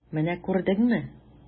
Менә күрдеңме!